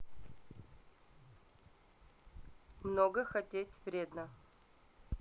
много хотеть вредно